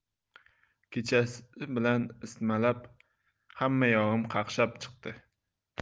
kechasi bilan isitmalab hammayog'im qaqshab chiqdi